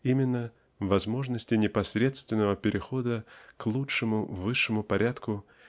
именно возможности непосредственного перехода к лучшему высшему порядку